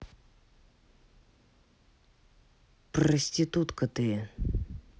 проститутка ты